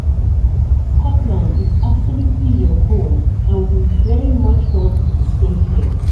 Scotland is absolutely your home and we very much want you to stay here."